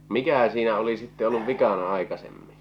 mikähän siinä oli sitten ollut vikana aikaisemmin